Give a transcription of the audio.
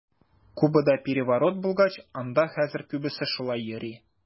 Кубада переворот булгач, анда хәзер күбесе шулай йөри.